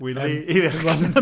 wili i fechgyn.